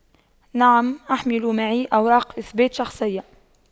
نعم احمل معي أوراق اثبات شخصية